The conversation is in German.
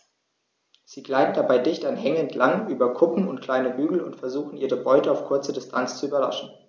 Sie gleiten dabei dicht an Hängen entlang, über Kuppen und kleine Hügel und versuchen ihre Beute auf kurze Distanz zu überraschen.